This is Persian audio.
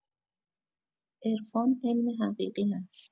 عرفان علم حقیقی است